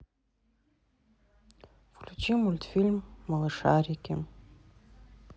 включи мультфильм малышарики